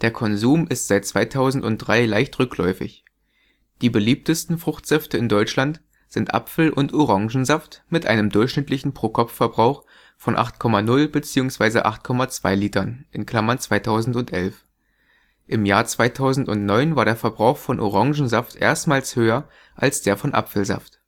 Konsum ist seit 2003 leicht rückläufig. Die beliebtesten Fruchtsäfte in Deutschland sind Apfel - und Orangensaft mit einem durchschnittlichen Pro-Kopf-Verbrauch von 8,0 bzw. 8,2 Litern (2011). Im Jahr 2009 war der Verbrauch von Orangensaft erstmals höher als der von Apfelsaft